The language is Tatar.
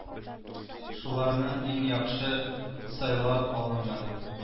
Шуларның иң яхшы сайлап алынган